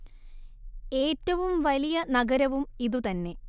ഏറ്റവും വലിയ നഗരവും ഇതു തന്നെ